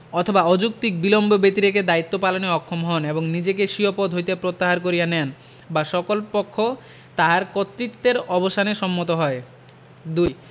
অথবা অযৌক্তিক বিলম্ব ব্যতিরেকে দায়িত্ব পালনে অক্ষম হন এবং নিজেকে স্বীয় পদ হইতে প্রত্যাহার করিয়া নেন বা সকল পক্ষ তাহার কর্তৃত্বের অবসানে সম্মত হয় ২